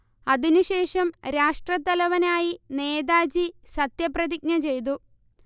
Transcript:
അതിനുശേഷം രാഷ്ട്രത്തലവനായി നേതാജി സത്യപ്രതിജ്ഞ ചെയ്തു